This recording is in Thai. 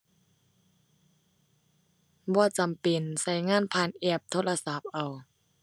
บ่จำเป็น ใช้งานผ่านแอปโทรศัพท์เอา